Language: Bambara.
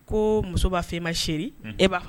Ko muso b'a fɔ e ma chéri , unhun, e b'a fɔ